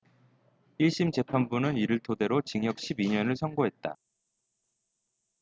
일 심 재판부는 이를 토대로 징역 십 이 년을 선고했다